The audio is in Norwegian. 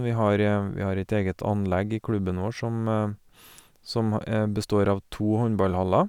vi har Vi har et eget anlegg i klubben vår som som e består av to håndballhaller.